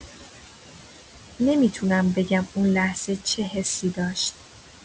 نمی‌تونم بگم اون لحظه چه حسی داشت.